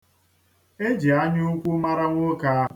Eji anyaukwu mara nwoke ahụ.